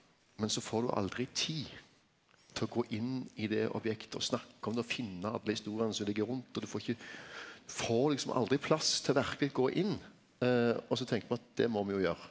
men så får du aldri tid til å gå inn i det objektet og snakke om det å finna alle historiene som ligg rundt, og du får ikkje får liksom aldri plass til verkeleg gå inn også tenkte me at det må me jo gjere.